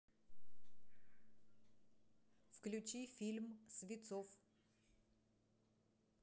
включи фильм свицов